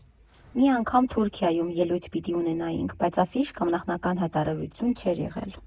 Մի անգամ Թուրքիայում ելույթ պիտի ունենայինք, բայց աֆիշ կամ նախնական հայտարարություն չէր եղել։